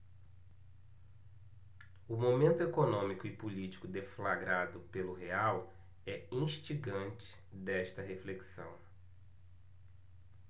o momento econômico e político deflagrado pelo real é instigante desta reflexão